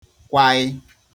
kwaị̀